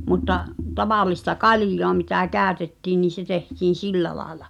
mutta tavallista kaljaa mitä käytettiin niin se tehtiin sillä lailla